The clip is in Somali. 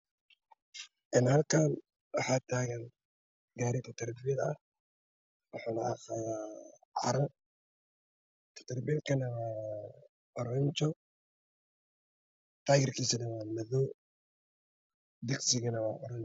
Halkaan waxaa taagan gaari kuntara biyood wuxuu wadaa Caro kuntara biyoodkana waa oranji taageerkiisana waa madow